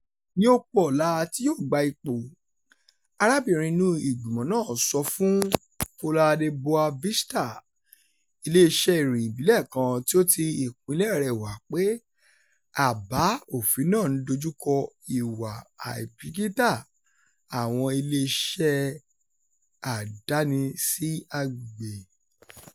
Ní ó-ku-ọ̀la tí yóò gba ipò, arábìnrin inú ìgbìmọ̀ náà sọ fún Folha de Boa Vista, ilé-iṣẹ́ ìròyìn ìbílẹ̀ kan tí ó ti ìpínlẹ̀ẹ rẹ̀ wá pé àbá òfin náà ń dojúkọ ìwà àìbìkítà àwọn iléeṣẹ́ àdáni sí agbègbè: